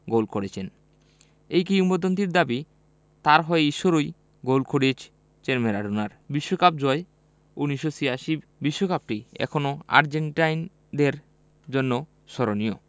গোল করেছেন এই কিংবদন্তির দাবি তাঁর হয়ে ঈশ্বরই গোল করিয়েছেন ম্যারাডোনার বিশ্বকাপ জয় ১৯৮৬ বিশ্বকাপটি এখনো আর্জেন্টাইনদের জন্য স্মরণীয়